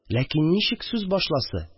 Ләкин ничек сүз башласы